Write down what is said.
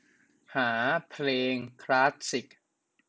หาเพลงคลาสสิค